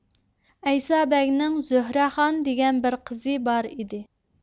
ئەيسا بەگنىڭ زۆھرەخان دېگەن بىر قىزى بار ئىدى